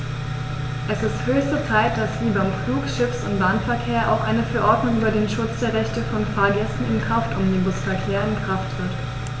Es ist höchste Zeit, dass wie beim Flug-, Schiffs- und Bahnverkehr auch eine Verordnung über den Schutz der Rechte von Fahrgästen im Kraftomnibusverkehr in Kraft tritt.